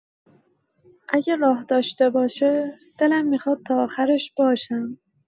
اگه راه داشته باشه، دلم می‌خواد تا آخرش باشم.